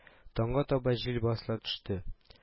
Таңга таба җил басыла төште